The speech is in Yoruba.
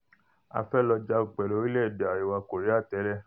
À fẹ́ lọ jagun pẹ̀lú orílẹ̀-èdè Àríwá Kòría télẹ̀.